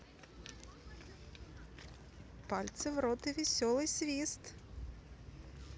пальцы в рот и веселый свист